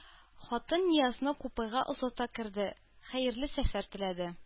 Хатын Ниязны купега озата керде, хәерле сәфәр теләде